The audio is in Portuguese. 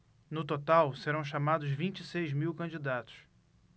no total serão chamados vinte e seis mil candidatos